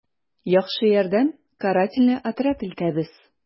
«яхшы ярдәм, карательный отряд илтәбез...»